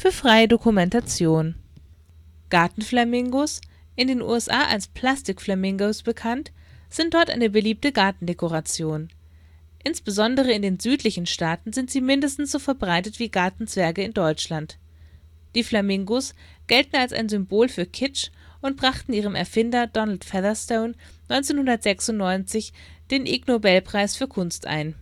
freie Dokumentation. Gartenflamingos in ihrem natürlichen Lebensraum. Gartenflamingos, in den USA als plastic flamingos bekannt, sind dort eine beliebte Gartendekoration. Insbesondere in den südlichen Staaten sind sie mindestens so verbreitet wie Gartenzwerge in Deutschland. Die Flamingos gelten als ein Symboltier für Kitsch und brachten ihrem Erfinder Donald Featherstone 1996 den Ig-Nobelpreis für Kunst ein